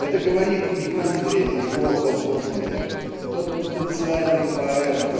это говорит в Никандре его возможное тот потенциальный поэт